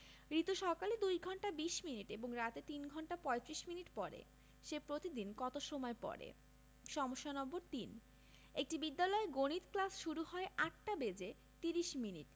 রিতু সকালে ২ ঘন্টা ২০ মিনিট এবং রাতে ৩ ঘণ্টা ৩৫ মিনিট পড়ে সে প্রতিদিন কত সময় পড়ে সমস্যা নম্বর ৩ একটি বিদ্যালয়ে গণিত ক্লাস শুরু হয় ৮টা বেজে ৩০ মিনিট